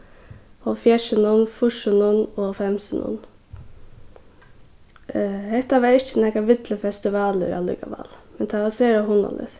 hálvfjerðsunum fýrsunum og hálvfemsunum hetta var ikki nakar villur festivalur allíkavæl men tað var sera hugnaligt